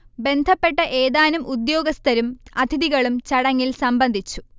ബന്ധപ്പെട്ട ഏതാനും ഉദ്യോഗസ്ഥരും അതിഥികളും ചടങ്ങിൽ സംബന്ധിച്ചു